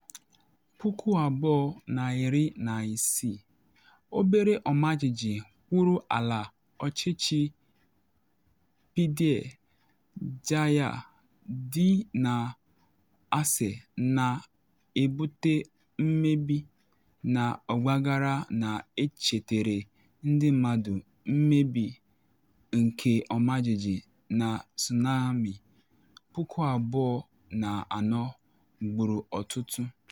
2016: Obere ọmajiji kụrụ ala ọchịchị Pidie Jaya dị na Aceh, na ebute mmebi na ọgbaghara na echetere ndị mmadụ mmebi nke ọmajiji na tsunami 2004 gburu ọtụtụ.